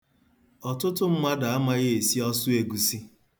Ọtụtụ mmadụ amaghị esi ọsụegusi.